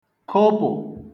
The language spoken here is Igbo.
kụpù